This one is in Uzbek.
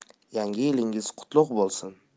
yangi yilingiz qutlug bo'lsin